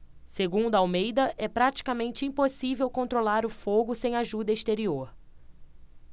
segundo almeida é praticamente impossível controlar o fogo sem ajuda exterior